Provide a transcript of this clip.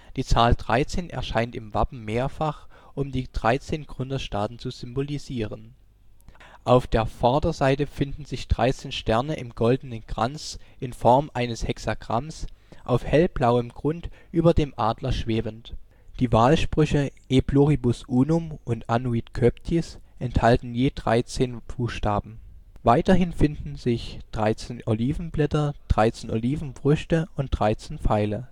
Die Zahl Dreizehn erscheint im Wappen mehrfach, um die 13 Gründerstaaten zu symbolisieren: Auf der Vorderseite finden sich 13 Sterne im goldenen Kranz in Form eines Hexagramms auf hellblauem Grund über dem Adler schwebend. Die Wahlsprüche E pluribus unum und Annuit Coeptis enthalten je 13 Buchstaben. Weiterhin finden sich 13 Olivenblätter, 13 Olivenfrüchte und 13 Pfeile